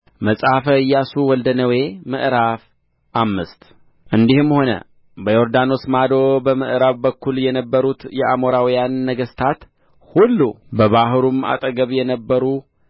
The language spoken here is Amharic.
መጽሐፈ ኢያሱ ወልደ ነዌ ምዕራፍ አምስት እንዲህም ሆነ በዮርዳኖስ ማዶ በምዕራብ በኩል የነበሩት የአሞራውያን ነገሥታት ሁሉ በባሕሩም አጠገብ የነበሩ